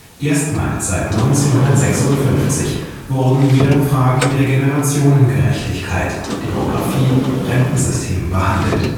Erstmals seit 1956 wurden wieder Fragen der Generationengerechtigkeit (Demografie, Rentensystem) behandelt